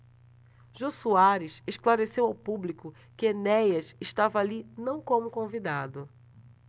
jô soares esclareceu ao público que enéas estava ali não como convidado